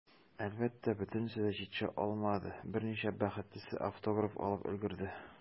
Әлбәттә, бөтенесе дә җитешә алмады, берничә бәхетлесе автограф алып өлгерде.